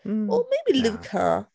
Mm... well maybe Luca? ...na.